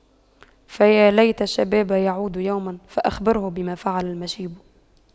فيا ليت الشباب يعود يوما فأخبره بما فعل المشيب